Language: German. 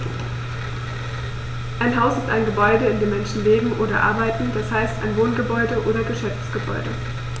Ein Haus ist ein Gebäude, in dem Menschen leben oder arbeiten, d. h. ein Wohngebäude oder Geschäftsgebäude.